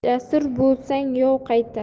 jasur bo'lsang yov qaytar